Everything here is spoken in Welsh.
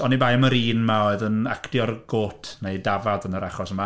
Oni bai am yr un 'ma oedd yn actio'r goat, neu dafad yn yr achos yma.